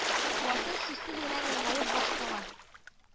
Васил сүзсез генә елмаеп баш кага